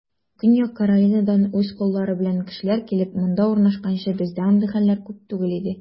Көньяк Каролинадан үз коллары белән кешеләр килеп, монда урнашканчы, бездә андый хәлләр күп түгел иде.